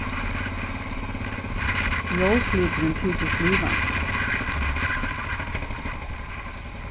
ljósliturin tykist livandi